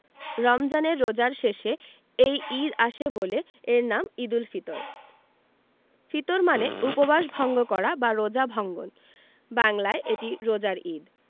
রমজানের রোজার শেষে এই ঈদ আসে বলে এর নাম ঈদুল ফিতর ফিতর মানে উপবাস ভঙ্গ করা বা রোজা ভঙ্গন বাংলায় এটি রোজার ঈদ